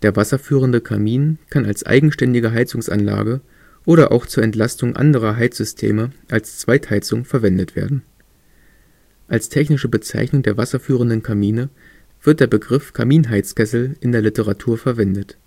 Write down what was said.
wasserführende Kamin kann als eigenständige Heizungsanlage oder auch zur Entlastung anderer Heizsysteme als Zweitheizung verwendet werden. Als technische Bezeichnung der wasserführenden Kamine wird der Begriff Kaminheizkessel in der Literatur verwendet